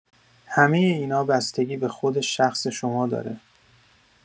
همه اینا بستگی به خود شخص شما داره.